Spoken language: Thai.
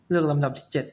เลือกลำดับที่เจ็ด